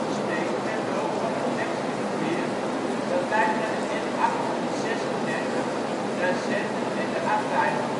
steken met behulp van het Lexkesveer, dat leidt naar de N836 naar Zetten en de A15. Het